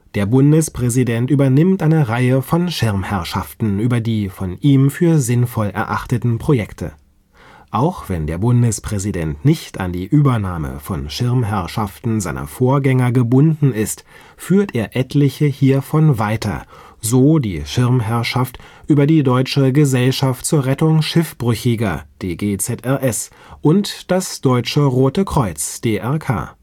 Der Bundespräsident übernimmt eine Reihe von Schirmherrschaften über von ihm für sinnvoll erachtete Projekte. Auch wenn der Bundespräsident nicht an die Übernahme von Schirmherrschaften seiner Vorgänger gebunden ist, führt er etliche hiervon weiter, so die Schirmherrschaft über die Deutsche Gesellschaft zur Rettung Schiffbrüchiger (DGzRS) und das Deutsche Rote Kreuz (DRK